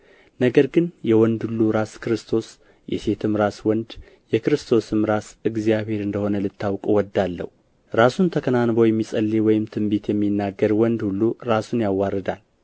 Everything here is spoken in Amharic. ነገር ግን የወንድ ሁሉ ራስ ክርስቶስ የሴትም ራስ ወንድ የክርስቶስም ራስ እግዚአብሔር እንደ ሆነ ልታውቁ እወዳለሁ ራሱን ተከናንቦ የሚጸልይ ወይም ትንቢት የሚናገር ወንድ ሁሉ ራሱን ያዋርዳል